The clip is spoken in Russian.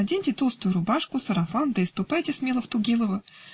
наденьте толстую рубашку, сарафан, да и ступайте смело в Тугилово